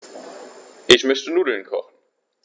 Ich möchte Nudeln kochen.